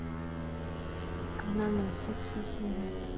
одна на всех все серии